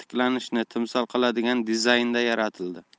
tiklanishni timsol qiladigan dizaynda yaratildi